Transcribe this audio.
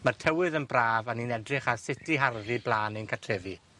ma'r tywydd yn braf a ni'n edrych ar sut i harddu bla'n ein cartrefi.